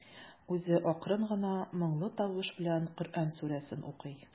Үзе акрын гына, моңлы тавыш белән Коръән сүрәсен укый.